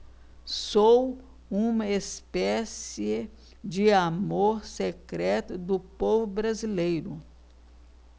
sou uma espécie de amor secreto do povo brasileiro